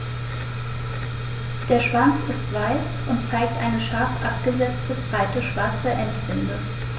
Der Schwanz ist weiß und zeigt eine scharf abgesetzte, breite schwarze Endbinde.